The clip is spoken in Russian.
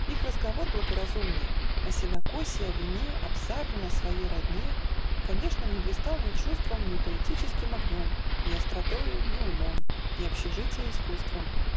Их разговор благоразумный О сенокосе, о вине, О псарне, о своей родне, Конечно, не блистал ни чувством, Ни поэтическим огнем, Ни остротою, ни умом, Ни общежития искусством